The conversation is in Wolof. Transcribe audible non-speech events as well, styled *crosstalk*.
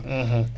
*hesitation* *hesitation*